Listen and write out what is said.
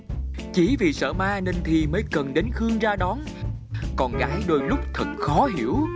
chỉ vì sợ ma nên thi mới cần đến khương ra đón con gái đôi lúc thật khó hiểu